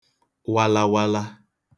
walawala